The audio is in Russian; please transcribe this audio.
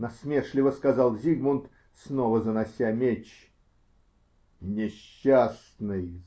-- насмешливо сказал Зигмунт, снова занося меч. -- Несчастный!